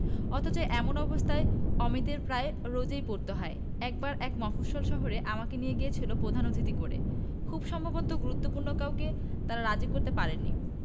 অথচ এমন অবস্থায় অমিদের প্রায় রোজই পড়তে হয় একবার এক মফস্বল শহরে আমাকে নিয়ে গিয়েছিল প্রধান অতিথি করে খুব সম্ভব গুরুত্বপূর্ণ কাউকে তারা রাজি করাতে পারেনি